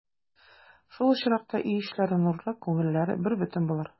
Шул очракта өй эчләре нурлы, күңелләре бербөтен булыр.